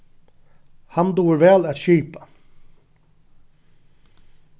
hann dugir væl at skipa